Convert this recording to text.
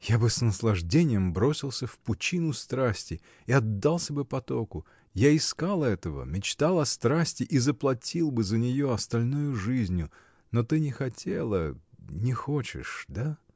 Я бы с наслаждением бросился в пучину страсти и отдался бы потоку: я искал этого, мечтал о страсти и заплатил бы за нее остальною жизнью, но ты не хотела, не хочешь. да?